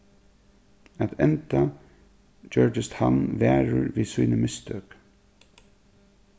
at enda gjørdist hann varur við síni mistøk